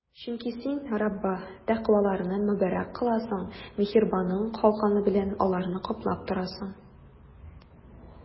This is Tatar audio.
Чөнки Син, Раббы, тәкъваларны мөбарәк кыласың, миһербаның калканы белән аларны каплап торасың.